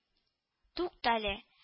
Туктале